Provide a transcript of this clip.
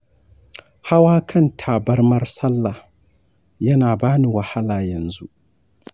hawa kan tabarmar sallah yana bani wahala yanzu.